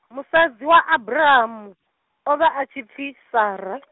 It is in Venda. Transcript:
musadzi wa Abramu, o vha a tshi pfi, Sara .